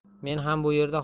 men ham bu yerda